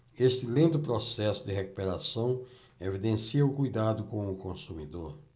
este lento processo de recuperação evidencia o cuidado com o consumidor